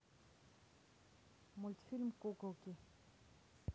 мультфильм куколки